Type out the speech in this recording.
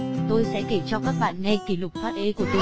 tôi sẽ kể cho các bạn nghe kỷ lục thoát ế của tôi nhé